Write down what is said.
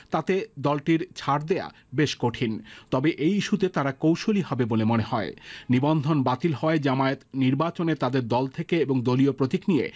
তাতে দলটির ছাড় দেয়া বেশ কঠিন তবে এই ইস্যুতে তারা কৌশলী হবে বলে মনে হয় নিবন্ধন বাতিল হওয়ায় জামায়াত নির্বাচনে তাদের দল থেকে এবং দলীয় প্রতীক নিয়ে